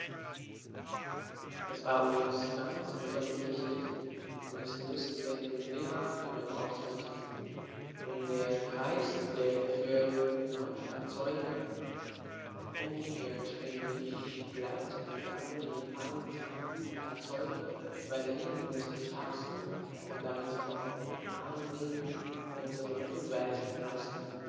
Das war uns ganz besonders wichtig, denn es nützt dem Klima überhaupt nichts, wenn der Preis für Neufahrzeuge unerschwinglich bleibt und dann die alten Fahrzeuge weiterhin unsere Straßen und damit vor allen Dingen unsere Umwelt belasten.